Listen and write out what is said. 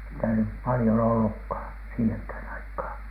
sitä nyt paljon ollutkaan siihenkään aikaan